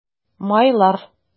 Майлар